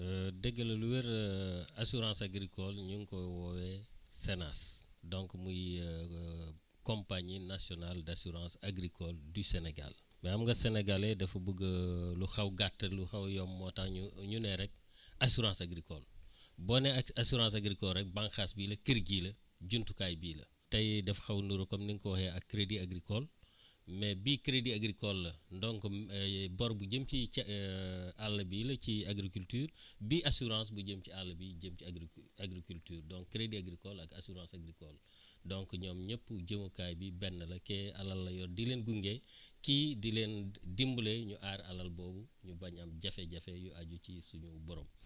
dëgg la lu wér assurance agricole ñu ngi ko woowee CNAAS donc muy compagnie nationale d' assurance agricole du Sénégal mais xam nga sénégalais dafa bëgg lu xaw gàtt lu xaw a yomb moo tax ñu ne rek assurance agricole boo nee as assurance agricole rek bànqaas bi la kër gii la jumtukaay bii la tey dafa wax niru comme ni nga ko waxee ak crédit agricole mais bii crédit agricole la donc bor bu jëm ci ca àll bi la ci agriculture bii assurance bu jëm ci àll bi jëm ci agriculture donc crédit agricole ak assurance agricole donc ñoom ñëpp jëmukaay bi benn la kee alal la yor di leen gunge kii di leen dimbale ñu aar alal boobu mu bañ a am jafe-jafe yu aju ci suñu borom